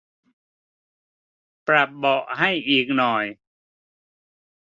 ปรับเบาะให้อีกหน่อย